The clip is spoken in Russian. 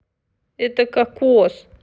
это кокос